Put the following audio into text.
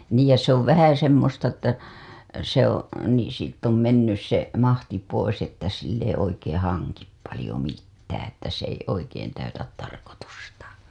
niin ja se on vähän semmoista että se on niin siitä on mennyt se mahti pois että sillä ei oikein hanki paljon mitään että se ei oikein täytä tarkoitustaan